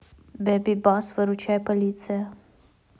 бэби бас выручай полиция